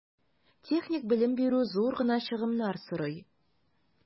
Техник белем бирү зур гына чыгымнар сорый.